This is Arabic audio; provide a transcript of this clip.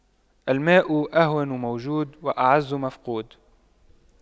الماء أهون موجود وأعز مفقود